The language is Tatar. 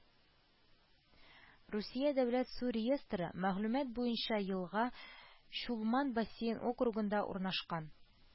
Русия дәүләт су реестры мәгълүматы буенча елга Чулман бассейн округында урнашкан